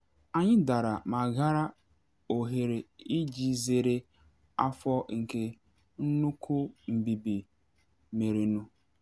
Anyị dara, ma ghara ohere iji zere afọ nke nnukwu mbibi merenụ.